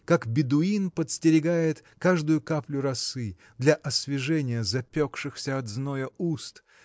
как бедуин подстерегает каждую каплю росы для освежения запекшихся от зноя уст